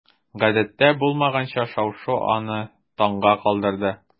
Гадәттә булмаганча шау-шу аны таңга калдырды.